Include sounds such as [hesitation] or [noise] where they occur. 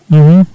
[hesitation] [hesitation]